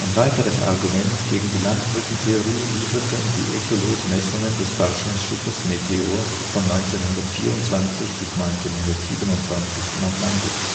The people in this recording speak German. weiteres Argument gegen die Landbrückentheorie lieferten die Echolot-Messungen des Forschungsschiffes Meteor von 1924 bis 1927 im Atlantik